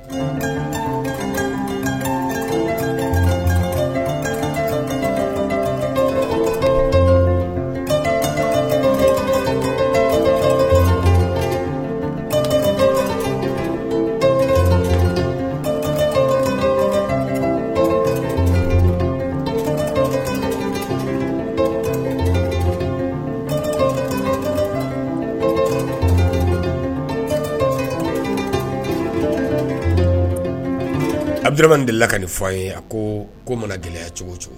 Aduba delila ka di fɔ a ye a ko ko mana deli cogo cogo